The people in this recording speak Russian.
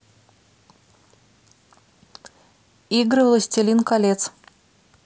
игры властелин колец